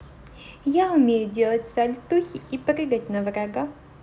я умею делать сальтухи и прыгать на врага